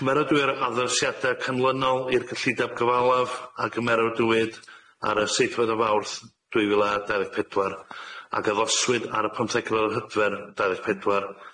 Cymeradwyr addysgiada cynlynol i'r cyllideb gyfalaf a gymeradwyd ar y seithfedd o Fawrth dwy fil a dau ddeg pedwar ac addoswyd ar y pymthegfed o Hydfer dau ddeg pedwar.